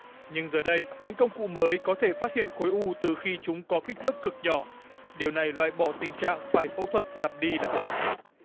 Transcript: nhưng giờ đây những công cụ mới có thể phát hiện khối u từ khi chúng có kích thước cực nhỏ điều này loại bỏ tình trạng phải phẫu thuật lặp đi lặp lại